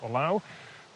o law